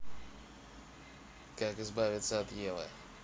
как избавиться от евы